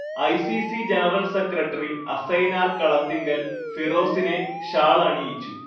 I. C. C general secretary Asainar Kalathingal ഫിറോസിനെ ഷാളണിയിച്ചു